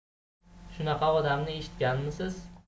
shunaqa odamni eshitganmisiz